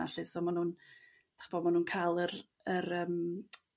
'na 'lly so ma' nhw'n ch'bo' ma' nhw'n ca'l yr yr yrm .